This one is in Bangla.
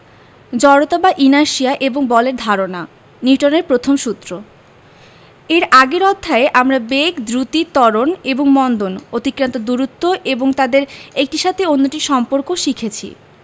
জড়তা বা ইনারশিয়া এবং বলের ধারণা নিউটনের প্রথম সূত্র এর আগের অধ্যায়ে আমরা বেগ দ্রুতি ত্বরণ এবং মন্দন অতিক্রান্ত দূরত্ব এবং তাদের একটির সাথে অন্যটির সম্পর্ক শিখেছি